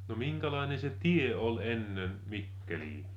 no minkälainen se tie oli ennen Mikkeliin